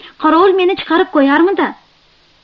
qorovul meni chiqarib qo'yarmidi